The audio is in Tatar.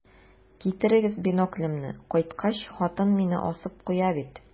Китерегез биноклемне, кайткач, хатын мине асып куя бит.